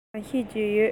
ཏོག ཙམ ཤེས ཀྱི ཡོད